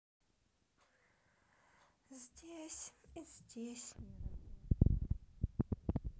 здесь и здесь не работает